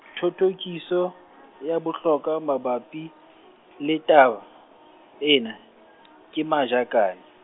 thothokiso, ya bohlokwa mabapi, le taba, ena, ke Majakane.